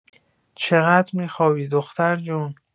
چقدر می‌خوابی دختر جون؟